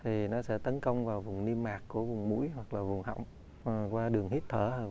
thì nó sẽ tấn công vào vùng niêm mạc của vùng muối hoặc là vùng họng qua đường hít thở